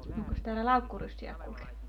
onkos täällä laukkuryssiä kulkenut